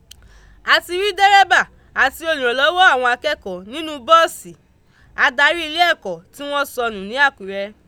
A ti rí dírẹ́bà àti olùrànlọ́wọ́ àwọn akẹ́kọ̀ọ́ nínú bọ́ọ̀sì Adarí ilé ẹ̀kọ́ tí wọ́n sọnù ní Àkúrẹ́.